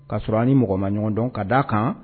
K'a sɔrɔ a ni mɔgɔ ma ɲɔgɔn dɔn k'a d'a kan